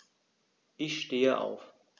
Ich stehe auf.